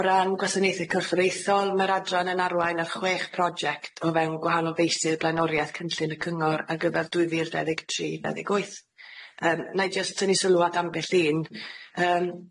O ran gwasaneuthe corfforeithol ma'r adran yn arwain ar chwech project o fewn gwahanol feysydd blaenoriaeth cynllun y cyngor ar gyfer dwy fil dau ddeg tri dau ddeg wyth yym nai jyst tynnu sylw at ambell un yym